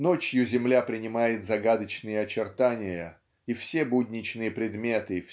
Ночью земля принимает загадочные очертания и все будничные предметы